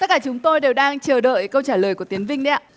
tất cả chúng tôi đều đang chờ đợi câu trả lời của tiến vinh đấy ạ